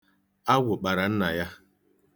Agwụ kpara nna ya.